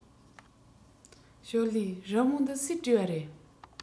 ཞོའོ ལིའི རི མོ འདི སུས བྲིས པ རེད